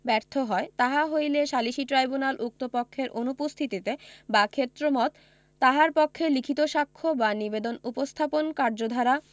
ব্যর্থ হয় তাহা হইলে সালিসী ট্রাইব্যুনাল উক্ত পক্ষের অনুপস্থিতিতে বা ক্ষেত্রমত তাহার পক্ষে লিখিত সাক্ষ্য বা নিবেদন উপস্থাপন কার্যধারা